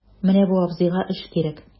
Менә бу абзыйга эш кирәк...